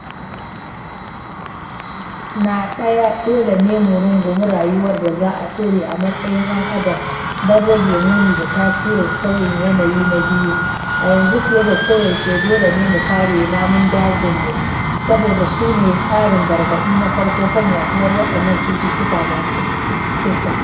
“Na ɗaya, dole ne mu rungumi rayuwar da za ta ɗore a matsayin 'yan adam don rage muni da tasirin sauyin yanayi; na biyu, a yanzu, fiye da koyaushe, dole ne mu kare namun dajinmu saboda su ne tsarin gargaɗi na farko kan yaɗuwar waɗannan cututtukan masu kisa.”